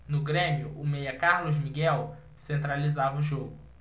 no grêmio o meia carlos miguel centralizava o jogo